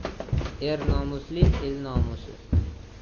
er nomusi el nomusi